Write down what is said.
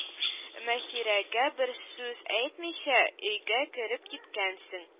Маһирәгә бер сүз әйтмичә өйгә кереп киткәнсең